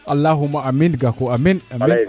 alahouma amiin Gakou